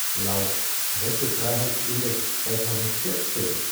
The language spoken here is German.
Laut Pressefreiheitsindex 2014